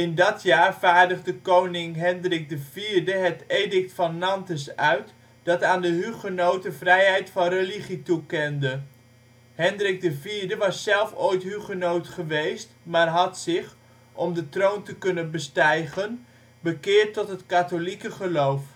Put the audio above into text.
dat jaar vaardigde koning Hendrik IV het ' Edict van Nantes ' uit, dat aan de hugenoten vrijheid van religie toekende. Hendrik IV was zelf ooit hugenoot geweest, maar had zich, om de troon te kunnen bestijgen, bekeerd tot het katholieke geloof